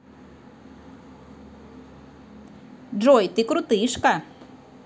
джой ты крутышка